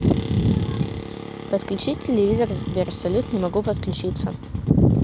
подключить телевизор сбер салют не могу подключиться